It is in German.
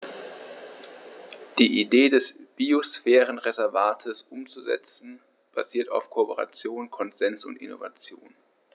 Die Idee des Biosphärenreservates umzusetzen, basiert auf Kooperation, Konsens und Innovation.